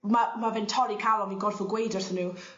ma' ma' fe'n torri calon fi'n gorffo gweud wrtho n'w